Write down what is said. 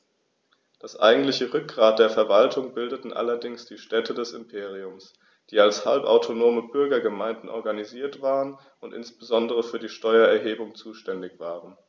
Das eigentliche Rückgrat der Verwaltung bildeten allerdings die Städte des Imperiums, die als halbautonome Bürgergemeinden organisiert waren und insbesondere für die Steuererhebung zuständig waren.